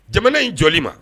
Jamana in joli ma